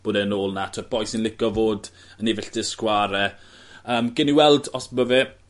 Bod e nôl 'na t'wod boi sy'n licio fod yn ei filltir sgwar e. Yym gewn ni weld os ma' fe